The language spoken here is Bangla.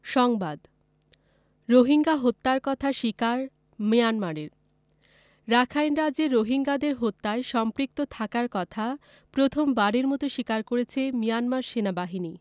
সংবাদ রোহিঙ্গা হত্যার কথা স্বীকার মিয়ানমারের রাখাইন রাজ্যে রোহিঙ্গাদের হত্যায় সম্পৃক্ত থাকার কথা প্রথমবারের মতো স্বীকার করেছে মিয়ানমার সেনাবাহিনী